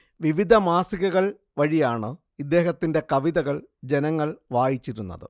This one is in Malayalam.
വിവിധ മാസികകൾ വഴിയാണ് ഇദ്ദേഹത്തിന്റെ കവിതകൾ ജനങ്ങൾ വായിച്ചിരുന്നത്